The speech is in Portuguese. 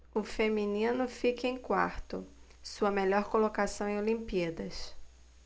o feminino fica em quarto sua melhor colocação em olimpíadas